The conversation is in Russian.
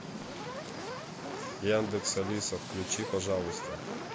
яндекс алиса включи пожалуйста